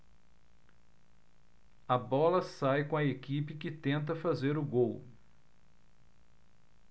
a bola sai com a equipe que tenta fazer o gol